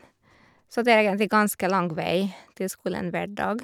Så det er egentlig ganske lang vei til skolen hver dag.